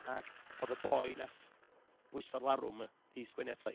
Ac oedd y boi wnaeth bwyso'r larwm 'di sgwennu ata i,